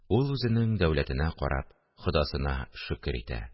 Ул, үз дәүләтенә карап, Ходасына шөкер итә